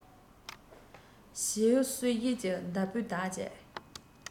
བྱི འུ གསོད བྱེད ཀྱི མདའ སྤུས དག གཅིག